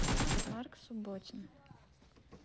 марк субботин